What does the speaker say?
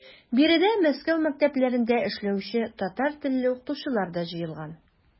Биредә Мәскәү мәктәпләрендә эшләүче татар телле укытучылар да җыелган.